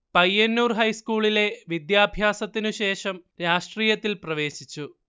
പയ്യന്നൂർ ഹൈസ്കൂളിലെ വിദ്യാഭ്യാസത്തിനു ശേഷം രാഷ്ട്രീയത്തിൽ പ്രവേശിച്ചു